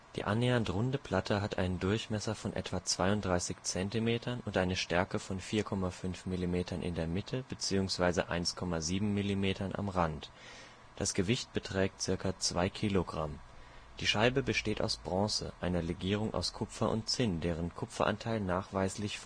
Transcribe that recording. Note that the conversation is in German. Die annähernd runde Platte hat einen Durchmesser von etwa 32 Zentimetern und eine Stärke von 4,5 Millimetern in der Mitte bzw. 1,7 Millimetern am Rand. Das Gewicht beträgt ca. 2 Kilogramm. Die Scheibe besteht aus Bronze, einer Legierung aus Kupfer und Zinn, deren Kupferanteil nachweislich